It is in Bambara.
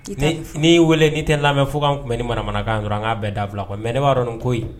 Ni n ye weele ni tɛ n lamɛn fo ka n kun bɛ ni manamanakan ye dɔrɔn an ka bɛɛ dabila mais ne ba dɔn nin ko in